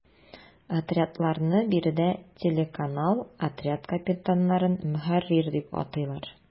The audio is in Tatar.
Отрядларны биредә “телеканал”, отряд капитаннарын “ мөхәррир” дип атыйлар.